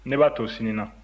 ne b'a to sini na